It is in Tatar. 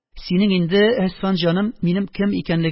– синең инде, әсфан җаным, минем кем икәнлегемне